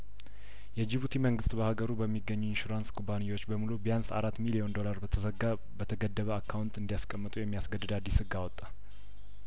የጅቡቲ መንግስት በሀገሩ በሚገኙ የኢንሹራንስ ኩባንያዎች በሙሉ ቢያንስ አራት ሚሊዮን ዶላር በተዘጋ በተገደ በአካውንት እንዲ ያስቀምጡ የሚያስገድድ አዲስ ህግ አወጣ